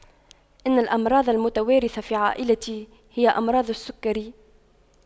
ان الأمراض المتوارثة في عائلتي هي أمراض السكري